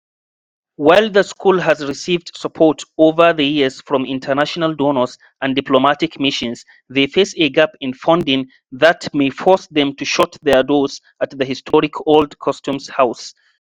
While the school has received support over the years from international donors and diplomatic missions, they face a gap in funding that may force them to shut their doors at the historic Old Customs House.